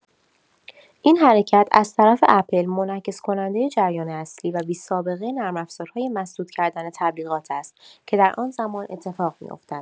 این حرکت از طرف اپل منعکس‌کننده جریان اصلی و بی‌سابقه نرم افزارهای مسدود کردن تبلیغات است که در آن‌زمان اتفاق می‌افتد.